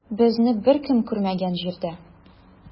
Безне беркем күрмәгән җирдә.